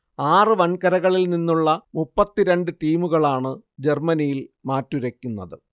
ആറു വൻകരകളിൽ നിന്നുള്ള മുപ്പത്തിരണ്ട് ടീമുകളാണ് ജർമ്മനിയിൽ മാറ്റുരയ്ക്കുന്നത്